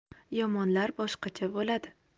yomonlar boshqacha bo'ladi